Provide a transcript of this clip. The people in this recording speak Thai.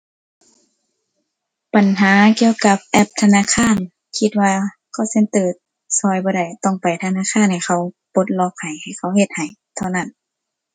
ปัญหาเกี่ยวกับแอปธนาคารคิดว่า call center ช่วยบ่ได้ ต้องได้ธนาคารให้เขาปลดล็อกให้ ให้เขาเฮ็ดให้เท่านั้น